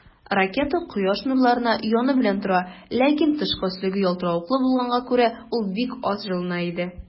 Ракета Кояш нурларына яны белән тора, ләкин тышкы өслеге ялтыравыклы булганга күрә, ул бик аз җылына иде.